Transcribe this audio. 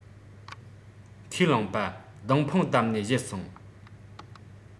ཁས བླངས པ སྡོང ཕུང བཏབས ནས བཞད སོང